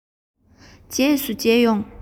རྗེས སུ མཇལ ཡོང